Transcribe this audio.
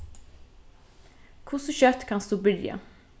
hvussu skjótt kanst tú byrja